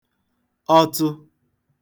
ọtụ